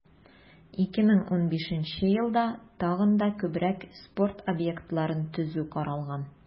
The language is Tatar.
2015 елда тагын да күбрәк спорт объектларын төзү каралган.